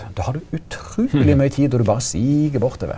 da har du utruleg mykje tid og du berre sig bortover.